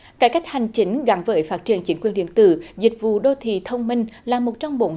cải cách hành chính gắn với phát triển chính quyền điện tử dịch vụ đô thị thông minh là một trong bốn